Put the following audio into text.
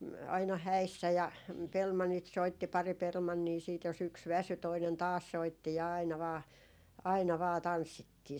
- aina häissä ja pelimannit soitti pari pelimannia sitten jos yksi väsyi toinen taas soitti aina vain aina vain tanssittiin